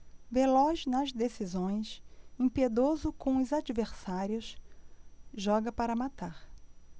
veloz nas decisões impiedoso com os adversários joga para matar